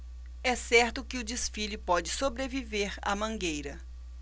é certo que o desfile pode sobreviver à mangueira